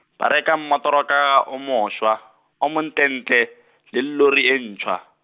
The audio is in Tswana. ba reka mmotorokara o mošwa, o montlentle, le lori e ntšhwa.